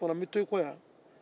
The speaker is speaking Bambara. n bɛ to i kɔ yan